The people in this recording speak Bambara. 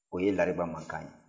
o ye lariba mankan ye